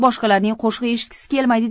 boshqalarning qo'shiq eshitgisi kelmaydi